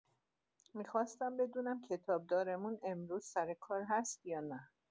می‌خواستم بدونم کتاب‌دارمون امروز سر کار هست یا نه؟